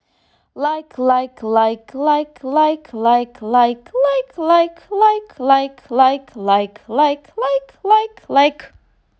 лайк лайк лайк лайк лайк лайк лайк лайк лайк лайк лайк лайк лайк лайк лайк лайк лайк